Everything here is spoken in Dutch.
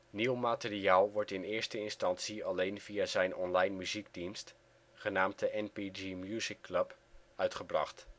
Nieuw materiaal wordt in eerste instantie alleen via zijn online muziekdienst genaamd de NPG Music Club uitgebracht